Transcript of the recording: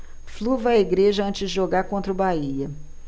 flu vai à igreja antes de jogar contra o bahia